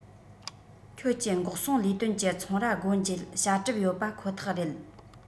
ཁྱོད ཀྱི འགོག སྲུང ལས དོན གྱི ཚོང ར སྒོ འབྱེད བྱ གྲབས ཡོད པ ཁོ ཐག རེད